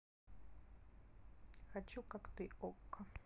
хочу как ты okko